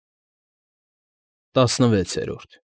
ՏԱՍՆՎԵՑԵՐՈՐԴ։